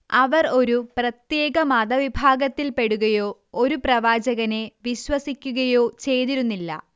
അവർ ഒരു പ്രത്യേക മതവിഭാഗത്തിൽപ്പെടുകയോ ഒരു പ്രവാചകനെ വിശ്വസിക്കുകയോ ചെയ്തിരുന്നില്ല